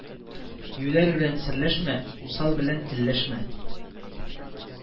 Юләр белән серләшмә, усал белән телләшмә